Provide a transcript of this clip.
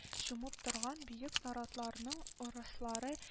Чумып торган биек наратларның ырыслары